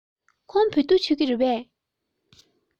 ཁོང བོད ཐུག མཆོད ཀྱི རེད པས